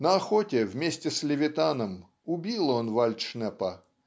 На охоте вместе с Левитаном убил он вальдшнепа